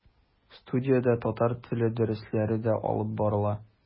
Студиядә татар теле дәресләре дә алып барыла.